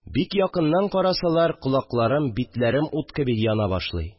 Бик якыннан карасалар, колакларым, битләрем ут кеби яна башлый